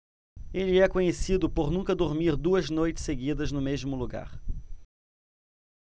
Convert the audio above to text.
ele é conhecido por nunca dormir duas noites seguidas no mesmo lugar